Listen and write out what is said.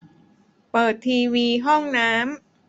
เปิดทีวีห้องน้ำ